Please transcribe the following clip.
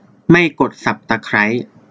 ไม่กดสับตะไคร้